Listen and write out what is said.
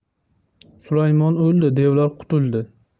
sulaymon o'ldi devlar qutuldi